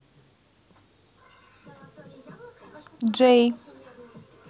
j